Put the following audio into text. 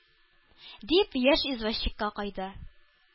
- дип, яшь извозчикка акайды.